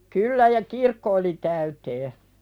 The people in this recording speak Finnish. kyllä ja kirkko oli täyteen